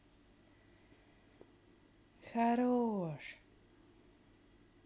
хорош